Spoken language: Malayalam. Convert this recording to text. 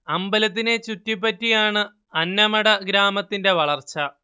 അമ്പലത്തിനെ ചുറ്റിപ്പറ്റിയാണു അന്നമട ഗ്രാമത്തിന്റെ വളർച്ച